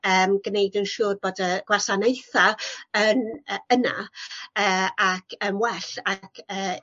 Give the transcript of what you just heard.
yym gneud yn siŵr bod y gwasanaetha' yn yy yna yy ac yn well ac yy